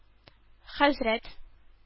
Хәзрәт